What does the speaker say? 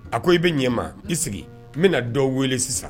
A ko i bɛ ɲɛ ma i sigi n bɛ na dɔ wele sisan